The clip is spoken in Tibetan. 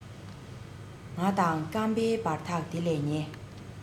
ང དང བརྐམ པའི བར ཐག དེ ལས ཉེ